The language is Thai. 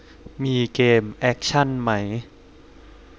มีเกมแอคชั่นไหม